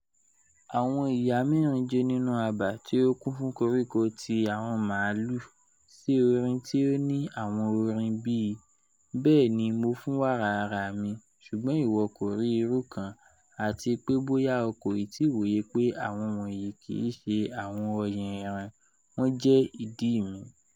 Awọn iya mẹrin jó nínú abà ti o kún fun koriko ti awọn maalu si orin ti o ni awọn orin bi: "Bẹẹni, Mo fun wara ara mi, ṣugbọn iwọ ko ri iru kan" ati pe boya o koiti woye pe awọn wọnyi kii ṣe awọn ọyọn ẹran, wọn jẹ idi mi."